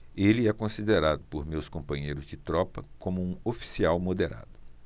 ele é considerado por seus companheiros de tropa como um oficial moderado